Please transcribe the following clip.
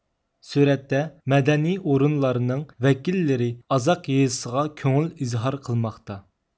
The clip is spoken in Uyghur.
سۈرەتتە مەدەنىي ئورۇنلارنىڭ ۋەكىللىرى ئازاق يېزىسىغا كۆڭۈل ئىزھار قىلماقتا